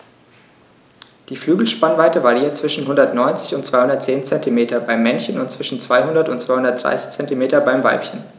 Die Flügelspannweite variiert zwischen 190 und 210 cm beim Männchen und zwischen 200 und 230 cm beim Weibchen.